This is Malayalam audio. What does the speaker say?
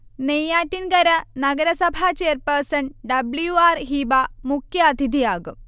നെയ്യാറ്റിൻകര നഗരസഭ ചെയർപേഴ്സൺ ഡബ്ള്യു ആർ ഹീബ മുഖ്യാതിഥിയാകും